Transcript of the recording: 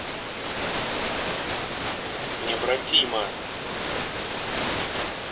необратимо